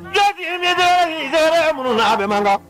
Jaki ni ni hɛrɛ mun na a bɛ la